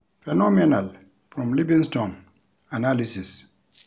Phenomenal' from Livingston - analysis